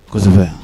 Kosɛbɛ